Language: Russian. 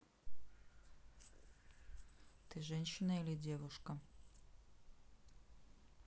ты женщина или девушка